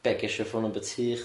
Be gesio phone number tŷ chdi?